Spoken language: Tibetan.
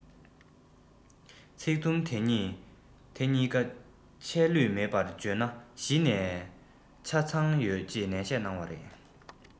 ཚིག དུམ དེ གཉིས ཀ ཆད ལུས མེད པར བརྗོད ན གཞི ནས ཆ ཚང ཡོད ཅེས ནན བཤད གནང བ རེད